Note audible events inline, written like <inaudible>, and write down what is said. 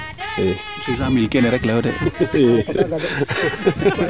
500 mille kee ne rek leyo de <laughs>